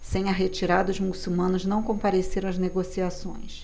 sem a retirada os muçulmanos não compareceram às negociações